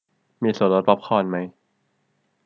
มีส่วนลดป๊อปคอร์นมั้ย